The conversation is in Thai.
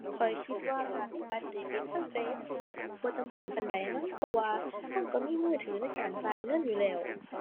ข้อยคิดว่าการมีบัตรเดบิตมันก็ยังบ่จำเป็นปานใดมั้ง เพราะว่าก็ก็มีมือถือในการจ่ายเงินอยู่แล้ว